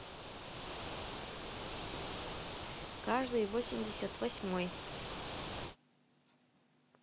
каждый восемьдесят восьмой